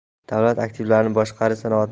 davlat aktivlarini boshqarish sanoatni